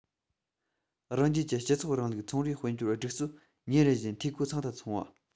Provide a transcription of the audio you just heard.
རང རྒྱལ གྱི སྤྱི ཚོགས རིང ལུགས ཚོང རའི དཔལ འབྱོར སྒྲིག སྲོལ ཉིན རེ བཞིན འཐུས སྒོ ཚང དུ སོང བ